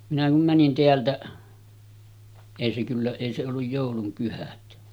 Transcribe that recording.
minä kun menin täältä ei se kyllä ei se ollut joulun pyhät